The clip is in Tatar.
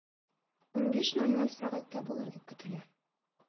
15.00 сәгатьтә булыр дип көтелә.